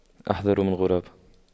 أحذر من غراب